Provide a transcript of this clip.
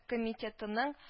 Комитетының